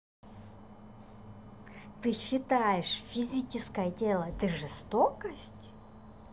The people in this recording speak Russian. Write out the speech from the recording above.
ты считаешь физическое тело это жестокость